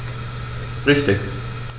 Richtig